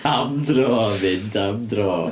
Am Dro a mynd am dro.